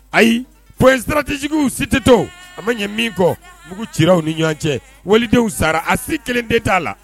Ayi p sirajjugu si tɛ to a bɛ ɲɛ min kɔ kugu ciw ni ɲɔgɔn cɛ walidenw sara a si kelen de t'a la